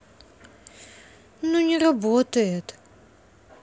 ну не работает